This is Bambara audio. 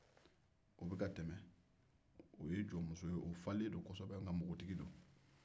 o bɛ ka tɛmɛ o ye jɔnmuso ye o falen don kosɛbɛ nga bogotigi don